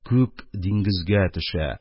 Күк диңгезгә төшә,